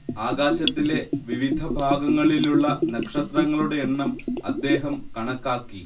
ആകാശത്തിലെ വിവിധ ഭാഗങ്ങളിലുള്ള നക്ഷത്രങ്ങളുടെ എണ്ണം അദ്ദേഹം കണക്കാക്കി